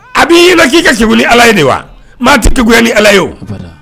A bi ɲɛna ki ka kekun ni Ala ye de wa ? maa te kekuya ni Ala ye wo.